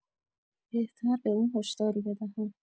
بهتر به او هشداری بدهم.